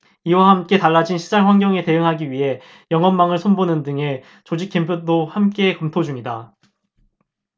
이와 함께 달라진 시장환경에 대응하기 위해 영업망을 손보는 등의 조직 개편도 함께 검토 중이다